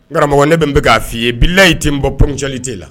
N karamɔgɔ ne min bɛ k'a fɔ i ye , bilahi i tɛ n bɔ ponctualité la